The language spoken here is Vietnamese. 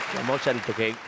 mô sừn thực hiện